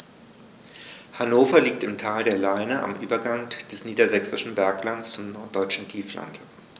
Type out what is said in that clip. Hannover liegt im Tal der Leine am Übergang des Niedersächsischen Berglands zum Norddeutschen Tiefland.